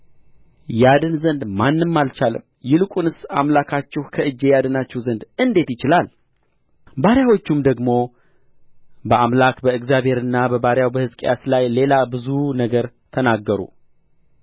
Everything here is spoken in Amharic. ያድን ዘንድ ዘንድ ማንም አልቻለም ይልቁንስ አምላካችሁ ከእጄ ያድናችሁ ዘንድ እንዴት ይችላል ባሪያዎቹም ደግሞ በአምላክ በእግዚአብሔርና በባሪያው በሕዝቅያስ ላይ ሌላ ብዙ ነገር ተናገሩ